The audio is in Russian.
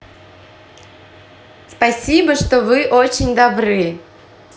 спасибо вы очень добры